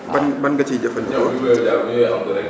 ban ban nga ciy jëfandikoo